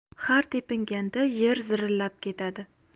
har tepinganda yer zirillab ketadi